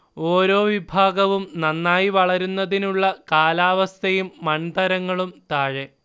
ഓരോ വിഭാഗവും നന്നായി വളരുന്നതിനുള്ള കാലാവസ്ഥയും മൺതരങ്ങളും താഴെ